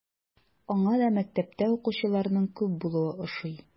Аңа да мәктәптә укучыларның күп булуы ошый.